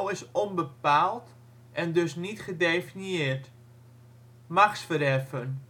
is onbepaald, en (dus) niet gedefinieerd. Machtsverheffen